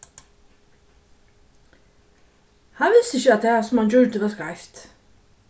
hann visti ikki at tað sum hann gjørdi var skeivt